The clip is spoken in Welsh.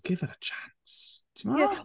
Give her a chance, timod?